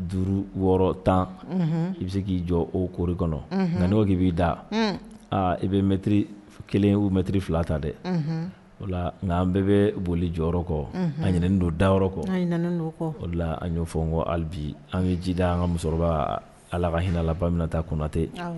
Duuru wɔɔrɔ tan i bɛ se k'i jɔ o kori kɔnɔ nka' k' b'i da i bɛtiri kelen' mɛtiriri fila ta dɛ o la nka an bɛɛ bɛ boli jɔyɔrɔ kɔ a ɲen don da yɔrɔ kɔ anendo kɔ o an'o fɔ kobi an bɛ jida an ka musokɔrɔba ala ka hinɛinalabaminata kunnanatɛ